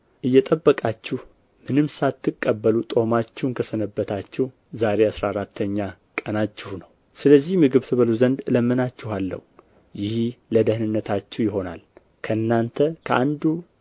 እየጠበቃችሁ ምንም ሳትቀበሉ ጦማችሁን ከሰነበታችሁ ዛሬ አሥራ አራተኛ ቀናችሁ ነው ሰለዚህ ምግብ ትበሉ ዘንድ እለምናችኋለሁ ይህ ለደኅንነታችሁ ይሆናልና ከእናንተ ከአንዱ